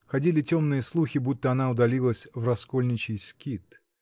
Ходили темные слухи, будто она удалилась в раскольничий скит.